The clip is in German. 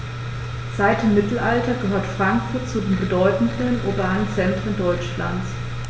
Seit dem Mittelalter gehört Frankfurt zu den bedeutenden urbanen Zentren Deutschlands.